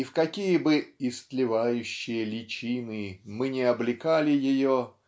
и в какие бы "истлевающие личины" мы ни облекали ее